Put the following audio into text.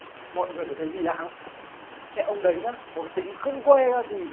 mọi người có thấy gì lạ không cái ông đấy nhá có cái tính không coi ai ra gì